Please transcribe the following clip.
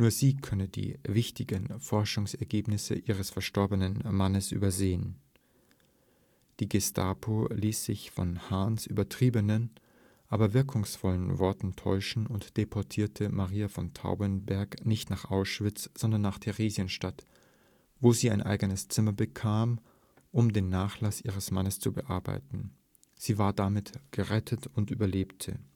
sie könne die wichtigen Forschungsergebnisse ihres verstorbenen Mannes übersehen. “Die Gestapo ließ sich von Hahns übertriebenen, aber wirkungsvollen Worten täuschen und deportierte Maria von Traubenberg nicht nach Auschwitz, sondern nach Theresienstadt, wo sie ein eigenes Zimmer bekam, um den Nachlass ihres Mannes zu bearbeiten. Sie war damit gerettet und überlebte